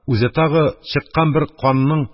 Үзе тагы, чыккан бер канның